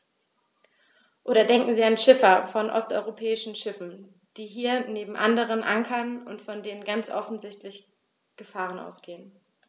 Oder denken Sie an Schiffer von osteuropäischen Schiffen, die hier neben anderen ankern und von denen ganz offensichtlich Gefahren ausgehen.